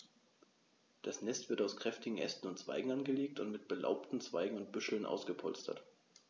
Das Nest wird aus kräftigen Ästen und Zweigen angelegt und mit belaubten Zweigen und Büscheln ausgepolstert.